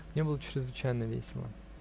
" Мне было чрезвычайно весело.